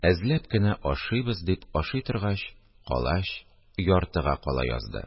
Әзләп кенә ашыйбыз дип ашый торгач, калач яртыга кала язды